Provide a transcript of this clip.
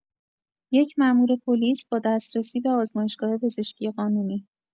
یک مامور پلیس با دسترسی به آزمایشگاه پزشکی قانونی